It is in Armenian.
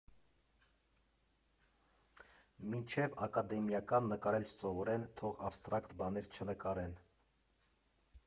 Մինչև ակադեմիական նկարել չսովորեն, թող աբստրակտ բաներ չնկարեն։